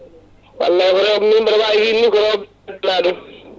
wallay ko noon min mbaɗa wawi wiide ni ko rewɓe ɓurna ɗum